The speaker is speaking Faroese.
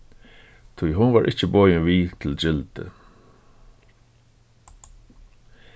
tí hon var ikki boðin við til gildið